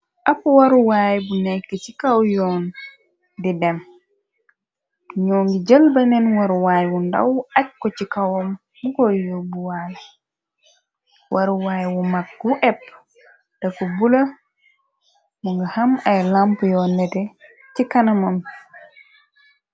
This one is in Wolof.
Ap waruwaay bu nekk ci kaw yoon di dem, ñoo ngi jël baneen waruwaay wu ndawu aj ko ci kawam mu koy yu bu waay, waruwaay wu mag wu épp daku bula mu nga xam ay lamp yoon nete ci kanamam.